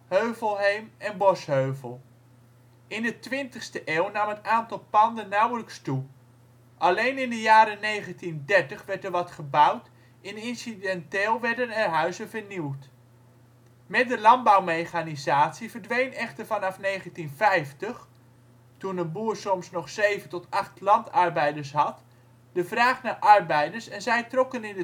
Heuvelheem en Bosheuvel. In de 20ste eeuw nam het aantal panden nauwelijks toe. Alleen in de jaren 1930 werd er wat gebouwd en incidenteel werden er huizen vernieuwd. Met de landbouwmechanisatie verdween echter vanaf 1950 (toen een boer soms nog 7 tot 8 landarbeiders had) de vraag naar arbeiders en zij trokken in